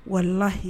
Warilahi